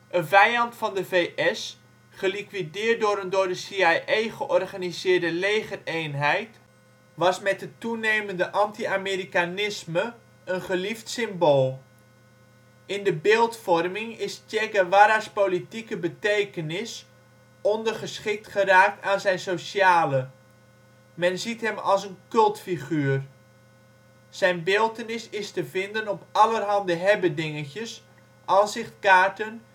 Een vijand van de VS, geliquideerd door een door de CIA georganiseerde legereenheid was met het toenemende anti-Amerikanisme een geliefd symbool. In de beeldvorming is Che Guevara 's politieke betekenis ondergeschikt geraakt aan zijn sociale: men ziet hem als een cultfiguur. Zijn beeltenis is te vinden op allerhande hebbedingetjes: ansichtkaarten